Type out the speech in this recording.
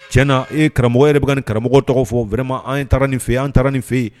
Tiɲɛna e ye karamɔgɔ ye e yɛrɛ be ka nin karamɔgɔ tɔgɔ fɔ vraiment an' ye taara nin fe ye an taara nin fe ye